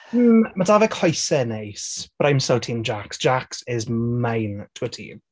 Hmm ma' 'da fe coesau neis, but I'm so team Jaques. Jaques is mine to a tee.